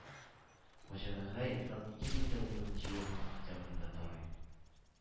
Фаҗигагә Илфат ике мең дә унберенче елның октябрендә тарый.